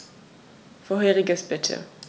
Vorheriges bitte.